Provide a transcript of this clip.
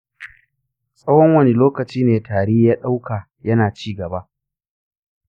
tsawon wani lokaci ne tari ya ɗauka yana ci gaba?